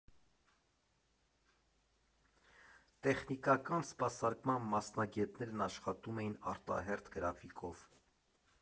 Տեխնիկական սպասարկման մասնագետներն աշխատում էին արտահերթ գրաֆիկով։